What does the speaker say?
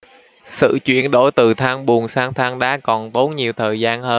sự chuyển đổi từ than bùn sang than đá còn tốn nhiều thời gian hơn